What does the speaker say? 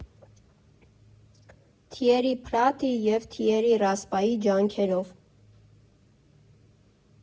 Թիերի Պրատի և Թիերի Ռասպայի ջանքերով։